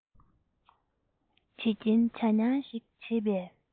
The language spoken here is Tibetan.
བྱེད ཀྱིན བྱ རྨྱང ཞིག བྱེད པས